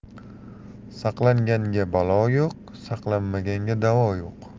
saqlanganga balo yo'q saqlanmaganga davo yo'q